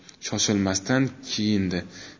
shoshilmasdan kiyindi